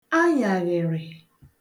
ayàghị̀rị̀